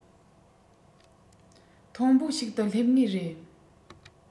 མཐོན པོ ཞིག ཏུ སླེབས ངེས རེད